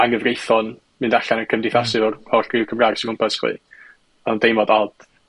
anghyfreithlon, mynd allan a cymdeithasu efo'r oll griw Cymraeg sy gwmpas chwi. Ma'n deimlad od.